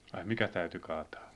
ai mikä täytyi kaataa